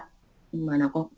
mà nó có